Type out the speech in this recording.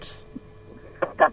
37 57